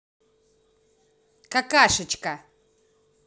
какашечка